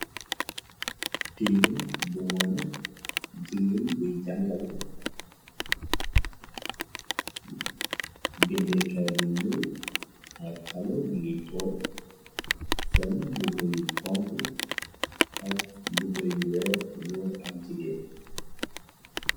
Tiire bu wone jigéen buy jangale bindekaay bu ñuw ay xale ningiy toog sol mbubayu xonku ak mbugayu weer góur al jigéen.